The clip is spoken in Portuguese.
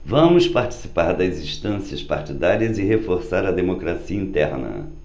vamos participar das instâncias partidárias e reforçar a democracia interna